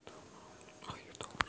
все включено два